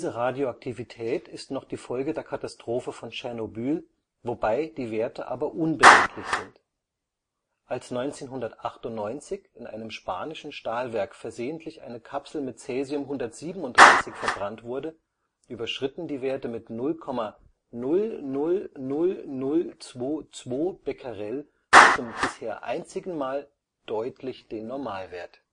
Radioaktivität ist noch die Folge der Katastrophe von Tschernobyl, wobei die Werte aber unbedenklich sind. Als 1998 in einem spanischen Stahlwerk versehentlich eine Kapsel mit Caesium 137 verbrannt wurde, überschritten die Werte mit 0,000022 Becquerel zum bisher einzigen Mal deutlich den Normalwert